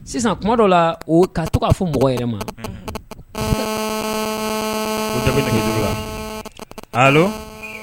Sisan tuma dɔ la ka to k'a fɔ mɔgɔ yɛrɛ ma nɛgɛ